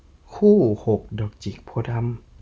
คู่หกดอกจิกโพธิ์ดำ